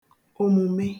òmùme